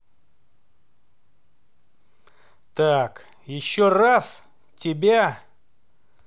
так еще раз тебя